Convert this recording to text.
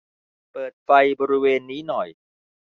เปิดไฟบริเวณนี้หน่อย